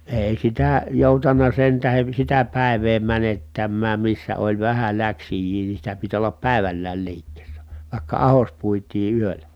ei sitä joutanut sen tähden sitä päivää menettämään missä oli vähän lähtijöitä niin sitä piti olla päivälläkin liikkeessä vaikka ahdos puitiin yöllä